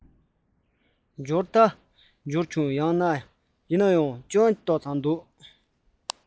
འབྱོར ད འབྱོར བྱུང ཡིན ནའི སྐྱོན ཏོག ཙམ འདུག